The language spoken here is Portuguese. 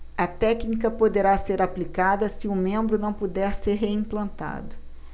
a técnica poderá ser aplicada se o membro não puder ser reimplantado